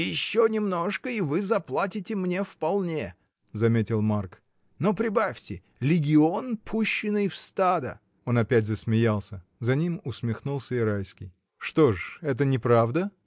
— Еще немножко, и вы заплатите мне вполне, — заметил Марк, — но прибавьте: легион, пущенный в стадо. Он опять засмеялся. За ним усмехнулся и Райский. — Что ж, это не правда?